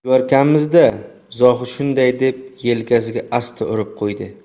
yuvarkanmiz da zohid shunday deb yelkasiga asta urib qo'ydi